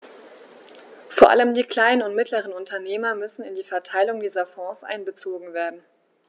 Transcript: Vor allem die kleinen und mittleren Unternehmer müssen in die Verteilung dieser Fonds einbezogen werden.